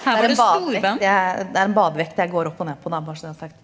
det er en badevekt ja det er en badevekt jeg går opp og ned på da, bare så det er sagt.